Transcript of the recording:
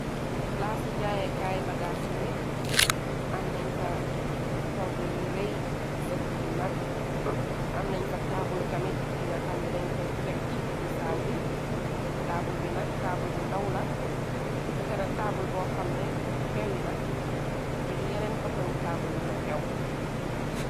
plaas yi jaayekaay bagaa sineek am nañ fa toggu yi rëy sati yi mag am nañ fa taabul tamit yi nga xamne dañ koy tekk ci diggi saal bi taabul bi nag taabul bu ndaw la nekna taabul boo xamne xewina liigi yeneen fasongi taabul ñoo xew